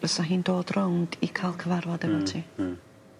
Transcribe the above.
fysa hi'n dod rownd i ca'l cyfarfod efo ti. Hmm hmm.